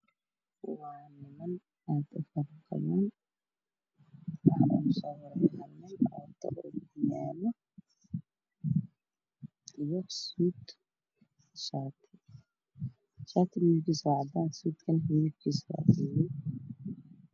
Waa niman oo fadhiyaan hool waxay ku fadhiyaan kuraasman caddaan waxaa ii muuqda nin wato suud madow oo ku yaalla